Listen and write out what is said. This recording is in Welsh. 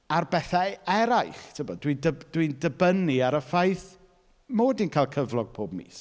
ar bethau eraill. Tibod? Dwi'n dib- dwi'n dibynnu ar y ffaith 'mod i'n cael cyflog pob mis.